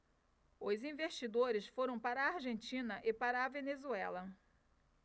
os investidores foram para a argentina e para a venezuela